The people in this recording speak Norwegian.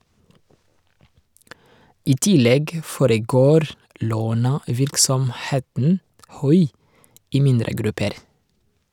I tillegg foregår lånevirksomheten "Hui" i mindre grupper.